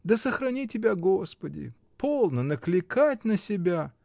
Да сохрани тебя, Господи, полно накликать на себя!